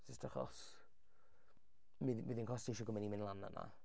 Jyst achos mi fydd hi'n costi shwt gymaint i mynd lan yna.